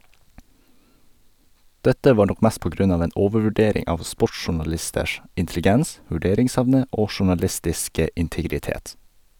Dette var nok mest på grunn av en overvurdering av sportsjournalisters intelligens , vurderingsevne og journalistiske integritet.